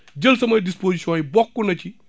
jël samay dispositions yi bokk na ci